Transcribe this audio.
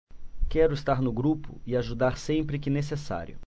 quero estar no grupo e ajudar sempre que necessário